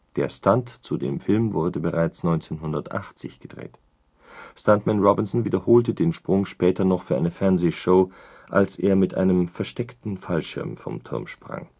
Der Stunt zu dem Film wurde bereits 1980 gedreht. Stuntman Robinson wiederholte den Sprung später noch für eine Fernsehshow, als er mit einem versteckten Fallschirm vom Turm sprang